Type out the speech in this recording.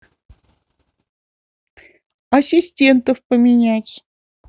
ассистентов поменять